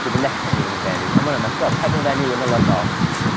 blwyddyn nesa mynd i fod yn fenyw a ma'n anygol pedwar fenyw yn olynol.